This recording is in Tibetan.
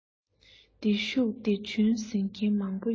འདིར བཞུགས འདིར བྱོན ཟེར མཁན མང པོ ཡོང